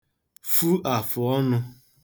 fu àfụ̀ọnụ̄